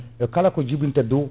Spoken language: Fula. e kala ko jiibinta dow